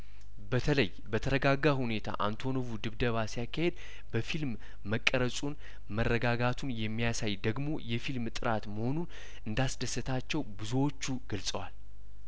በተለይ በተረጋጋ ሁኔታ አንቶኖቩ ድብደባ ሲያካሂድ በፊልም መቀረጹን መረጋጋቱን የሚያሳይ ደግሞ የፊልም ጥራት መሆኑ እንዳስ ደሰታቸው ብዙዎቹ ገልጸዋል